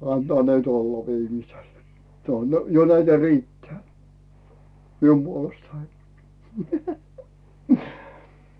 antaa nyt olla viimeisellä se on jo näitä riittää minun puolestani